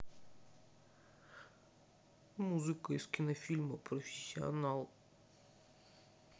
музыка из кинофильма профессионал